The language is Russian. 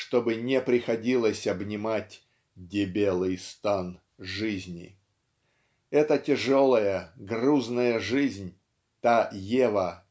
чтобы не приходилось обнимать "дебелый стан" жизни. Эта тяжелая грузная жизнь -- та Ева